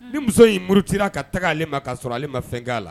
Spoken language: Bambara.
Ni muso in murutila ka taga ale ma ka sɔrɔ ale ma fɛn k'a la